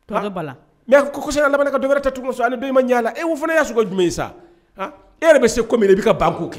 Tonton Bala, mais a fɔ ko cɛ in labanna ka do wɛrɛ ta tugun parce que a ni dɔ in m'a ɲɛ a la. E o fana y'a suguya jumɛn sa, han.e yɛrɛ bɛ se ko mina i bɛ ka ban ko kɛ.